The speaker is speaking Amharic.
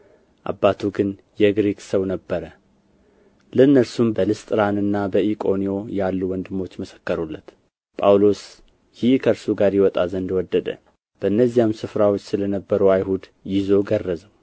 አባቱ ግን የግሪክ ሰው ነበረ ለእርሱም በልስጥራንና በኢቆንዮን ያሉ ወንድሞች መሰከሩለት ጳውሎስ ይህ ከእርሱ ጋር ይወጣ ዘንድ ወደደ በእነዚያም ስፍራዎች ስለ ነበሩ አይሁድ ይዞ ገረዘው